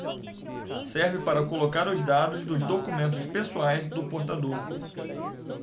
serve para colocar os dados dos documentos pessoais do portador